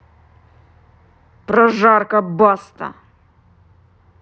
прожарка баста